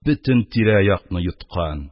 Бөтен тирә-якны йоткан;